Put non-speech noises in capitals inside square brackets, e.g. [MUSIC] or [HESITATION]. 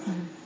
[HESITATION] [HESITATION]